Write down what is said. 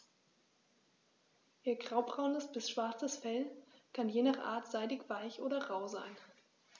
Ihr graubraunes bis schwarzes Fell kann je nach Art seidig-weich oder rau sein.